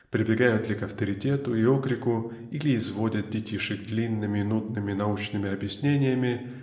прибегают ли к авторитету и окрику или изводят детишек длинными нудными научными объяснениями